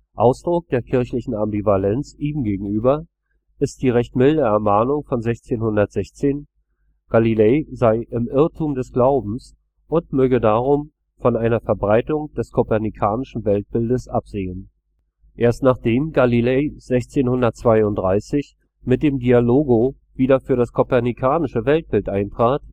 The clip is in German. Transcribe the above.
Ausdruck der kirchlichen Ambivalenz ihm gegenüber ist die recht milde Ermahnung von 1616, Galilei sei im „ Irrtum des Glaubens “und möge darum „ von einer Verbreitung des kopernikanischen Weltbildes absehen “. Erst nachdem Galilei 1632 mit dem Dialogo wieder für das kopernikanische Weltbild eintrat